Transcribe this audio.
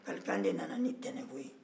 kalikan de nana nin tanako ye